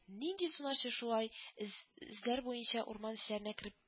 Нинди сунарчы шулай эз эзләр буенча урман эчләренә кереп